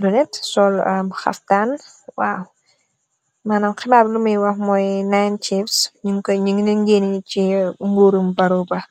lonet, sol amm xaftan, waw, manam xibaar bi lumuy wax moy, nayin ciif nyung ko, nyung len yene ci gori Barrow bah.